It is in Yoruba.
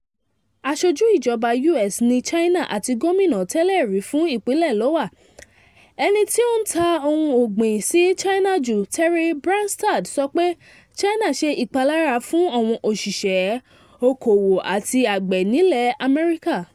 Aṣojú ìjọba U.S. ni China àti Gómìnà tẹ́lẹ̀ rí fún ìpínlẹ̀ Iowa, ẹni tí ó ń ta ohun ògbìn sí China jù, Terry Branstad sọ pé China ṣe ìpalára fún àwọn òṣìṣẹ́, okoòwò àti àgbẹ̀ nílẹ̀ Amẹ́ríkà.